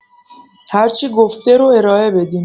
هرچی گفته رو ارائه بدین